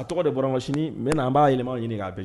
A tɔgɔ de bɔra mac mɛ n' an b'a yɛlɛmama ɲini k'a bɛ